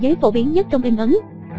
couche là giấy phổ biến nhất trong in ấn